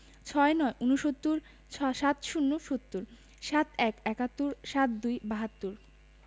৬৯ – ঊনসত্তর ৭০ - সত্তর ৭১ – একাত্তর ৭২ – বাহাত্তর